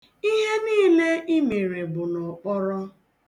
Ihe niile i mere bụ n'ọkpọrọ.